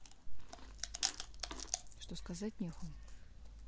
что сказать нехуй